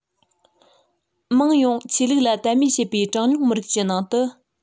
དམངས ཡོངས ཆོས ལུགས ལ དད མོས བྱེད པའི གྲངས ཉུང མི རིགས ཀྱི ནང དུ